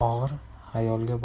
u og'ir xayolga